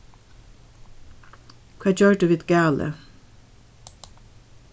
hvat gjørdu vit galið